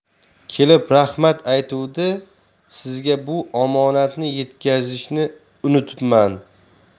kelib rahmat aytuvdi sizga bu omonatni yetkazishni unutibman